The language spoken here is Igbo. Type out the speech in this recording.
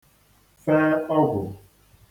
fe ọgwụ̀